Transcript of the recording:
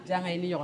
Jamu ili yɔrɔ